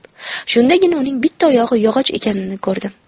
shundagina uning bitta oyog'i yog'och ekanini ko'rdim